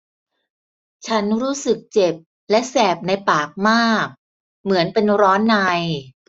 ฉันรู้สึกเจ็บและแสบในปากมากเหมือนเป็นร้อนใน